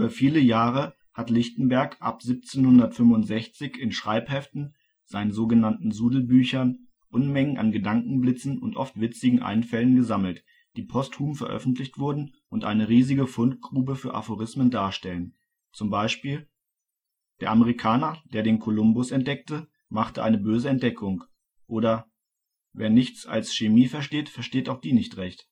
viele Jahre hat Lichtenberg ab 1765 in Schreibheften, seinen so genannten Sudelbüchern Unmengen an Gedankenblitzen und oft witzigen Einfällen gesammelt, die postum veröffentlicht wurden und eine riesige Fundgrube für Aphorismen darstellen, z.B. Der Amerikaner, der den Kolumbus entdeckte, machte eine böse Entdeckung., oder Wer nichts als Chemie versteht, versteht auch die nicht recht